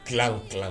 Tila u tila